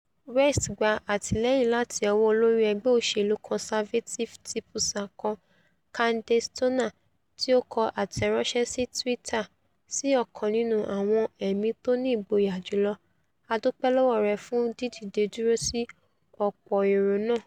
West gba àtìlẹ́yìn láti ọwọ́ olórí ẹgbẹ́ oṣèlú conservative TPUSA kan, Candace Turner tí ó kọ àtẹ̀ránṣẹ́ si tweeter: ''Sí ọ̀kan nínú àwọn ẹ̀mí tóní ìgboyà jùlọ: ''A DÚPẸ́ LỌ́WỌ́ RẸ FÚN DÍDÌDE DÚRÓ SÍ Ọ̀PỌ̀ ÈRÒ NÁÀ.''